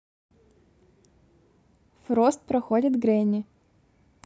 frost проходит гренни